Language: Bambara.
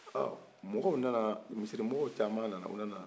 mɔgɔw nana misirimɔgɔw caaman nana